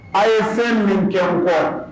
A' ye fɛn min kɛ nkɔ